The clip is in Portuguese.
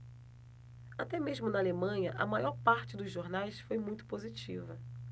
até mesmo na alemanha a maior parte dos jornais foi muito positiva